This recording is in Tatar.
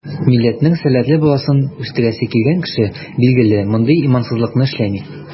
Милләтнең сәләтле баласын үстерәсе килгән кеше, билгеле, мондый имансызлыкны эшләми.